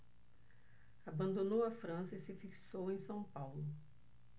abandonou a frança e se fixou em são paulo